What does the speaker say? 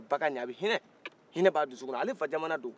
a bɛ baga nin a bɛ hinɛ hinɛ b'a dusukunan ale fa jamana don